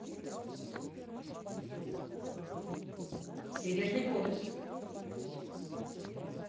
северный полюс